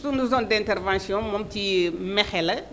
sunu zone d' intervention moom ci Mekhe la